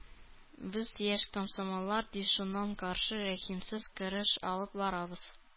Без, яшь комсомоллар, ди, шуңар каршы рәхимсез көрәш алып барабыз.